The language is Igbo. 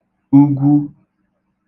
ugwu